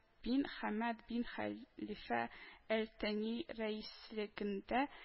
Бин хәмәд бин хәлифә әл-тани рәис легендә